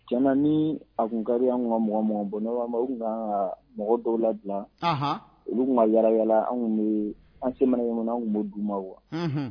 Ti ni a tunkari an ka mɔgɔ mɔgɔ bɔn ka mɔgɔ dɔw la dilan olu tun ka yaayla anw an se mana yɔrɔmana an tun' du ma wa